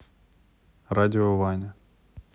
радио ваня